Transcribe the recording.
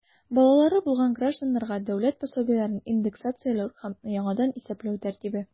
Балалары булган гражданнарга дәүләт пособиеләрен индексацияләү һәм яңадан исәпләү тәртибе.